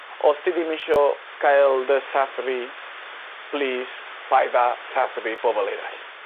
Os ti dim isio cael dy sathru plîs paid a sathru pobol eraill.